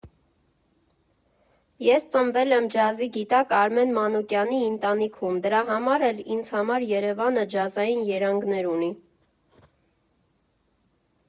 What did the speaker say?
Ես ծնվել եմ ջազի գիտակ Արմեն Մանուկյանի ընտանիքում, դրա համար էլ ինձ համար Երևանը ջազային երանգներ ունի։